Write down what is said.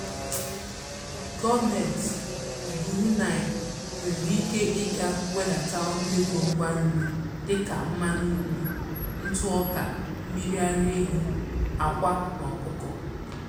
Gọọmenti Brunei nwere ike ịga wedata ọnụ ego ngwa nri dị ka mmanụ nri, ntụ ọka, mmiri ara ehi, akwa na ọkụkọ.